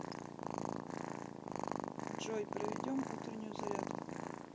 джой проведем утреннюю зарядку